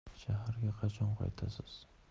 shaharga qachon qaytasiz